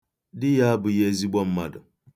Di ya abụghị ezigbo mmadụ.